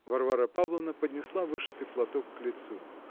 Варвара Павловна поднесла вышитый платок к лицу.